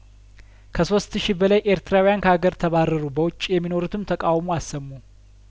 ከሶስት ሺ በላይ ኤርትራውያን ከሀገር ተባረሩ በውጭ የሚኖሩትም ተቃውሞ አሰሙ